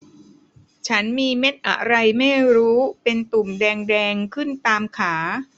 ฉันมีเม็ดอะไรไม่รู้เป็นตุ่มแดงแดงขึ้นตามขา